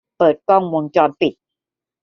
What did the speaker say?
เปิดกล้องวงจรปิด